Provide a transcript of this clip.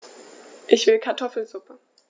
Ich will Kartoffelsuppe.